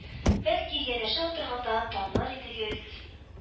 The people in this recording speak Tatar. Бәлки, янәшә утырганда таныр идегез